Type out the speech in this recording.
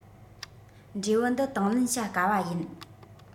འབྲས བུ འདི དང ལེན བྱ དཀའ བ ཡིན